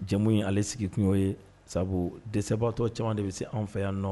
Jɛmu in ale sigi kun y'o ye sabu dɛsɛbaatɔ caman de bɛ se an fɛ yan